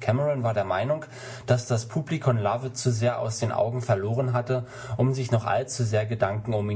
Cameron war der Meinung, dass das Publikum Lovett zu sehr aus den Augen verloren hatte, um sich noch allzu sehr Gedanken um